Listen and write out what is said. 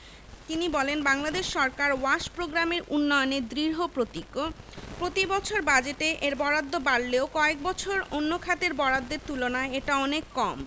তিনি বলেন বাংলাদেশ সরকার ওয়াশ প্রোগ্রামের উন্নয়নে দৃঢ়প্রতিজ্ঞ প্রতিবছর বাজেটে এর বরাদ্দ বাড়লেও কয়েক বছরে অন্য খাতের বরাদ্দের তুলনায় এটা অনেক কম